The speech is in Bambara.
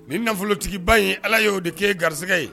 Nin nafolotigiba in ala y ye'o de kɛ garigɛ ye